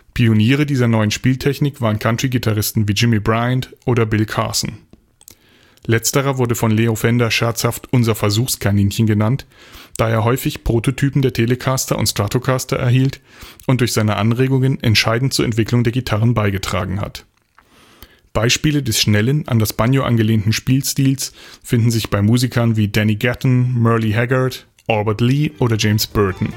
Pioniere dieser neuen Spieltechnik waren Countrygitarristen wie Jimmy Bryant oder Bill Carson. Letzterer wurde von Leo Fender scherzhaft „ unser Versuchskaninchen “genannt, da er häufig Prototypen der Telecaster und Stratocaster erhielt und durch seine Anregungen entscheidend zur Entwicklung der Gitarren beigetragen hat. Beispiele des schnellen, an das Banjo angelehnten Spielstils finden sich bei Musikern wie Danny Gatton, Merle Haggard, Albert Lee oder James Burton